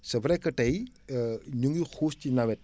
c' est vrai que tey ñu ngi xuus ci nawet